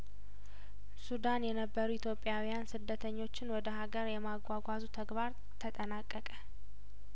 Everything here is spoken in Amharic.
ሱዳን የነበሩ ኢትዮጵያውያን ስደተኞችን ወደ ሀገር የማጓጓዙ ተግባር ተጠናቀቀ